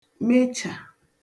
mechà